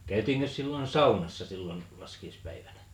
käytiinkös silloin saunassa silloin laskiaispäivänä